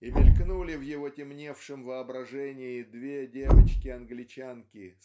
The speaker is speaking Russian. И мелькнули в его темневшем воображении две девочки-англичанки